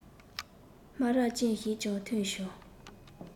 སྨ ར ཅན ཞིག ཀྱང ཐོན བྱུང